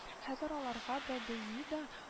Хәзер аларга БДИда